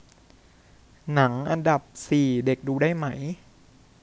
หนังอันดับสี่เด็กดูได้ไหม